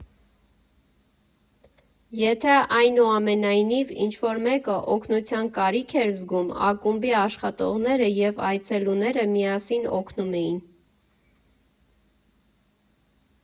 Եթե, այնուամենայնիվ, ինչ֊որ մեկը օգնության կարիք էր զգում, ակումբի աշխատողները և այցելուները միասին օգնում էին։